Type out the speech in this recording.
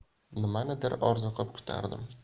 nimanidir orziqib kutardim